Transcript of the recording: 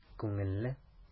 Күңелле!